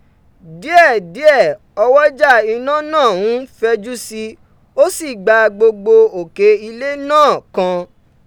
Diẹ diẹ, ọwọja iná naa n fẹju si, to si gba gbogbo oke ile naa kan.